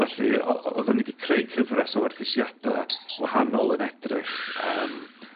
felly o- o- oeddwn ni di creu cyfres o werthusiadau gwahanol yn edrych yym